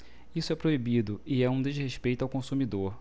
isso é proibido e é um desrespeito ao consumidor